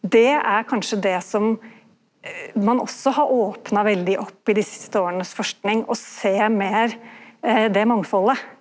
det er kanskje det som ein også har opna veldig opp i dei siste åras forsking å sjå meir det mangfaldet.